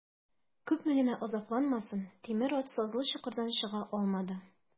Күпме генә азапланмасын, тимер ат сазлы чокырдан чыга алмады.